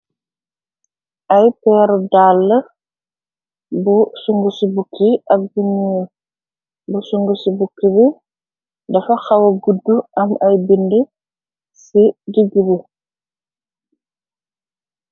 Ay peru dàlla bu sungu ci bukki ak bunyul bu sungu ci bukki bi dafa xawa guddu am ay bindi ci digi bi.